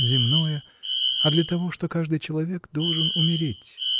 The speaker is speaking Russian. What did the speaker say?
земное, а для того, что каждый человек должен умереть.